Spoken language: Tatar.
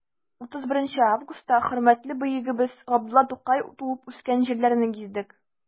31 августта хөрмәтле бөегебез габдулла тукай туып үскән җирләрне гиздек.